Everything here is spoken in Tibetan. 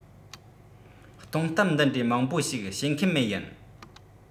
སྟོང གཏམ འདི འདྲའི མང པོ ཞིག བཤད མཁན མེད ཡིན